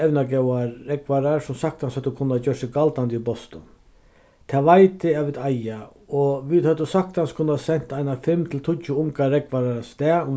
evnagóðar rógvarar sum saktans høvdu kunnað gjørt seg galdandi í boston tað veit eg at vit eiga og vit høvdu saktans kunnað sent einar fimm til tíggju ungar rógvarar avstað